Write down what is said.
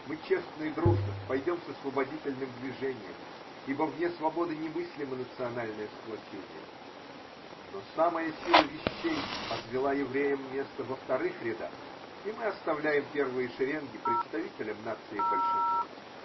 Мы честно и дружно пойдем с освободительным движением, ибо вне свободы немыслимо национальное сплочение, но самая сила вещей отвела евреям место во вторых рядах, и мы оставляем первые шеренги представителям нации большинства.